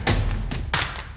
mấy